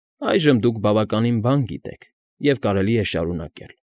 Այժմ դուք բավականին բան գիտեք և կարելի է շարունակել։